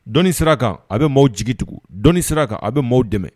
Dɔn sira kan a bɛ maaw jigi tugun dɔn sira kan a bɛ maaw dɛmɛ